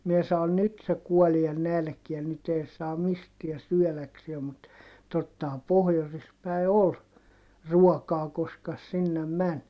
minä sanoin nyt se kuolee nälkään nyt ei se mistään syödäkseen mutta tottahan pohjoisessa päin oli ruokaa koska - sinne meni